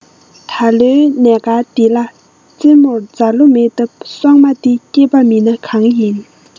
ད ལོའི ནས དཀར འདི ལ ཙེ མོར འཛར ལོ མེད སྟབས སོག མ འདི སྐྱེད པ མིན ན གང ཡིན